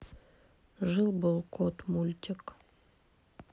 жил был кот мультик